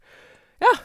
Ja.